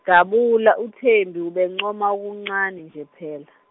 dabula, uThembi ubencoma okuncane nje phela.